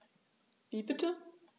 Wie bitte?